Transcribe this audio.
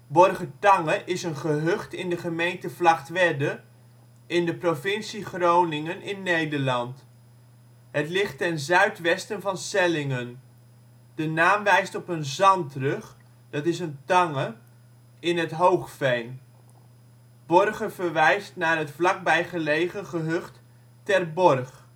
Borgertange is een gehucht in de gemeente Vlagtwedde in de provincie Groningen (Nederland). Het ligt ten zuid-westen van Sellingen. De naam wijst op een zandrug (= tange) in het hoogveen. Borger verwijst naar het vlakbij gelegen gehucht Ter Borg